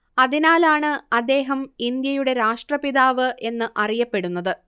അതിനാലാണ് അദ്ദേഹം ഇന്ത്യയുടെ രാഷ്ട്രപിതാവ് എന്ന് അറിയപ്പെടുന്നത്